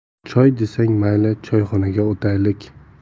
choy desang mayli choyxonaga o'taylik